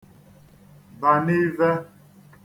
ba n'ive